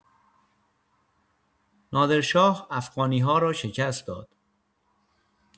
نادر شاه افغانی‌ها رو شکست داد